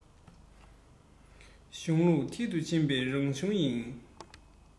གཞུང ལུགས མཐིལ དུ ཕྱིན པའི རབ བྱུང ཡིན